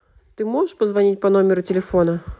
ты можешь позвонить по номеру телефона